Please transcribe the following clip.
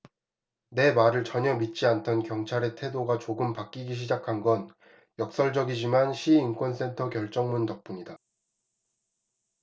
내 말을 전혀 믿지 않던 경찰의 태도가 조금 바뀌기 시작한 건 역설적이지만 시 인권센터 결정문 덕분이다